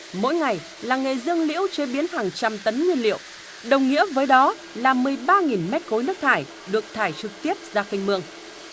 mỗi ngày làng nghề dương liễu chế biến hàng trăm tấn nguyên liệu đồng nghĩa với đó là mươi ba nghìn mét khối nước thải được thải trực tiếp ra kênh mương